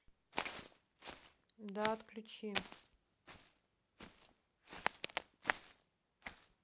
да отключи